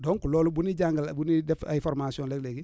donc loolu bu ñuy jàngale bu ñuy def ay formations léeg-léegi